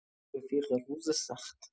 رفیق روز سخت